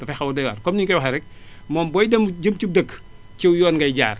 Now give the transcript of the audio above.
dafay xaw a doy waar comme ni nga koy waxee rekk moom booy dem jëm cib dëkk ciw yoon ngay jaar